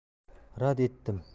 rad etdim